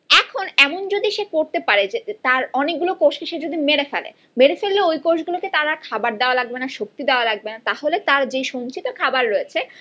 এখন এমন যদি সে করতে পারে যে তার অনেকগুলো কোষ কে সে যদি মেরে ফেলে মেরে ফেললে ওই কোষগুলোকে তারা খাবার দেয়া লাগবেনা শক্তি দেয়া লাগবেনা তাহলে তার যে সঞ্চিত খাবার রয়েছে